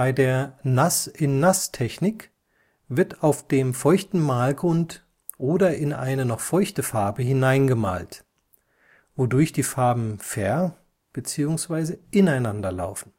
der Nass-in-Nass-Technik wird auf dem feuchten Malgrund oder in eine noch feuchte Farbe hineingemalt, wodurch die Farben ver - bzw. ineinanderlaufen